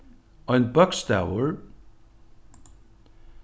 ein bókstavur